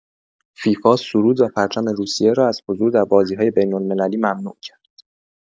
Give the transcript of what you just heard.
فیفا سرود و پرچم روسیه را از حضور در بازی‌های بین‌المللی ممنوع کرد.